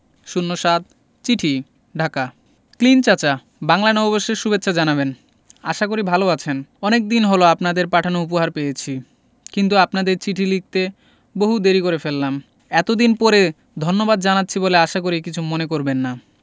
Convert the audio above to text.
০৭ চিঠি ঢাকা ক্লিন্ট চাচা বাংলা নববর্ষের সুভেচ্ছা জানাবেন আশা করি ভালো আছেন অনেকদিন হল আপনাদের পাঠানো উপহার পেয়েছি কিন্তু আপনাদের চিঠি লিখতে বহু দেরী করে ফেললাম এতদিন পরে ধন্যবাদ জানাচ্ছি বলে আশা করি কিছু মনে করবেন না